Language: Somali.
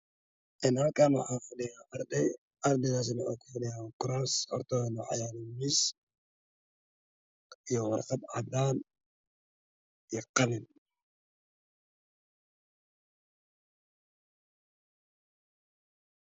Waa iskuul waxaa jooga arday waxay ka kooban yihiin gabdhaha iyo wiilal waxay wataan shaatiya cadaan cabbayada xijaabo cadaan waxay ku fadhiyaan kuraas cadaan jaalo imtixaan ay ku jireen waxay ku fadhiyaan kuraas cadaan jaalo imtixaan ay ku jireen